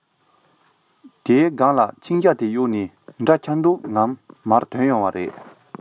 དེའི སྒང ལ ཕྱིང ཞྭ དེ གཡོག ནས འདྲ ཆགས མདོག ངང མར དོན ཡོང བ རེད